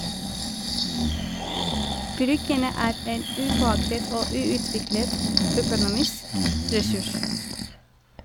Bryggene er en upåaktet og uutviklet økonomisk ressurs.